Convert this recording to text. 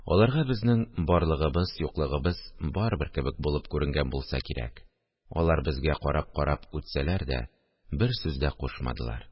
Аларга безнең барлыгыбыз-юклыгыбыз барыбер кебек булып күренгән булса кирәк – алар безгә карап-карап үтсәләр дә, бер сүз дә кушмадылар